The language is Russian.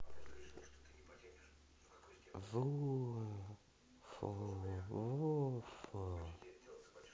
ву фу